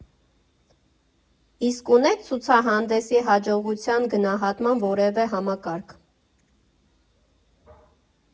Իսկ ունե՞ք ցուցահանդեսի հաջողության գնահատման որևէ համակարգ։